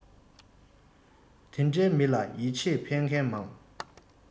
དེ འདྲའི མི ལ ཡིད ཆེས ཕན མཁན མང